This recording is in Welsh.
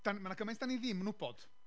Dan... ma' 'na gymaint da ni ddim yn gwybod,